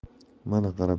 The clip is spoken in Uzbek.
mana qarab